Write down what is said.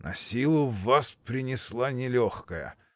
— Насилу вас принесла нелегкая!